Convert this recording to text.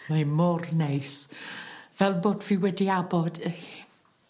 Mae 'i mor neis fel bod fi wedi abod 'ych